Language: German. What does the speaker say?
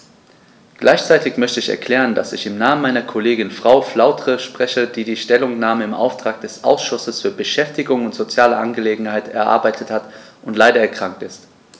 Gleichzeitig möchte ich erklären, dass ich im Namen meiner Kollegin Frau Flautre spreche, die die Stellungnahme im Auftrag des Ausschusses für Beschäftigung und soziale Angelegenheiten erarbeitet hat und leider erkrankt ist.